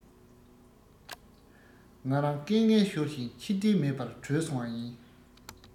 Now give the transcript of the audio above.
ང རང སྐད ངན ཤོར བཞིན ཕྱིར ལྟས མེད པར བྲོས སོང བ ཡིན